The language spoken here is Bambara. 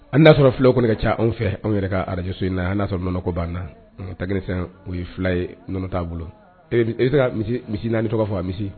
Hali n'a y'a sɔrɔ fulaw kɔni ka ca anw fɛ anw yɛrɛ ka radio so in la hali n'a y'a sɔrɔ nɔnɔ ko b'an na o ye fila ye nɔnɔ t'a bolo, i bɛ se ka misi 4 tɔgɔ fɔ a misi?